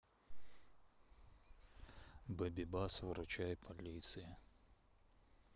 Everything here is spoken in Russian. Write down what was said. бэби бас выручай полиция